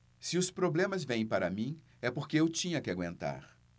se os problemas vêm para mim é porque eu tinha que aguentar